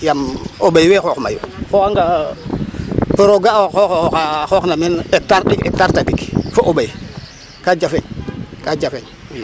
Yaam o ɓay wee xoox mayu xooxanga pour o ga'aa xooxoox oxa xooxna men hectar ɗik hectar tadik fo o ɓay ka jafeñ ka jafeñ ii.